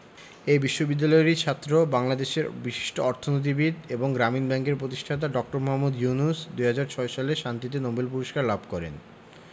এ বিশ্ববিদ্যালয়েরই ছাত্র বাংলাদেশের বিশিষ্ট অর্থনীতিবিদ ও গ্রামীণ ব্যাংকের প্রতিষ্ঠাতা ড. মোহাম্মদ ইউনুস ২০০৬ সালে শান্তিতে নোবেল পূরস্কার লাভ করেন